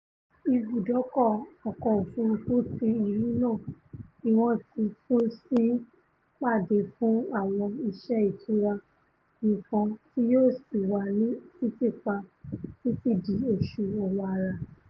Ibùdókọ̀ ọkọ̀ òfurufú ti ìlu náà ni wọ́n ti tún sí padà fún àwọn iṣẹ́ ìtura nìkan tí yóò sì wà ní títìpa títí di oṣù Ọ̀wàrà.